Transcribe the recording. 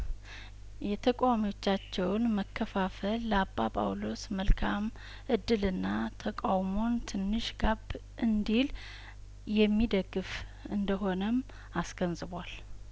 የተቃዋሚዎቻቸው መከፋፈል ለአባ ጳውሎስ መልካም እድልና ተቃውሞን ትንሽ ጋብ እንዲል የሚደገፍ እንደሆነም አስገንዝቧል